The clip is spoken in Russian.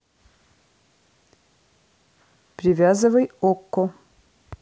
привязывай okko